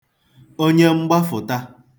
onyemgbafụ̀ta